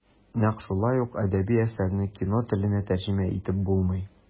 Нәкъ шулай ук әдәби әсәрне кино теленә тәрҗемә итеп булмый.